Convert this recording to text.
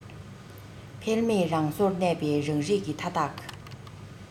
འཕེལ མེད རང སོར གནས པའི རང རིགས ཀྱི མཐའ དག